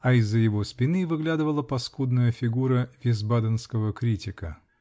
а из-за его спины выглядывала паскудная фигура висбаденского критика.